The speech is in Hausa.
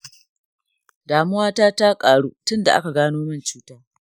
damuwa ta ta ƙaru tun da aka gano min cuta.